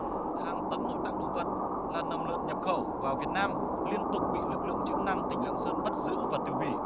hàng tấn nội tạng động vật là nầm lợn nhập khẩu vào việt nam liên tục bị lực lượng chức năng tỉnh lạng sơn bắt giữ và tiêu hủy